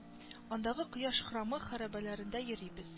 Андагы кояш храмы хәрабәләрендә йөрибез